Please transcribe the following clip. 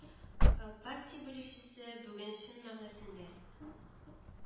Партия бүлекчәсе бүген чын мәгънәсендә